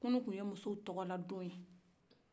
kunu kun ye musow tɔgɔla don ye